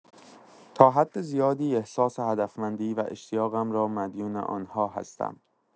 تا حد زیادی احساس هدفمندی و اشتیاقم را مدیون آن‌ها هستم.